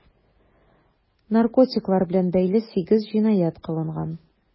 Наркотиклар белән бәйле 8 җинаять кылынган.